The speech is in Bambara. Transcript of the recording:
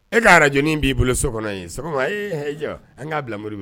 E ka araj b'i bolo so kɔnɔ ye e ye jɔ an k'a bila mori minɛ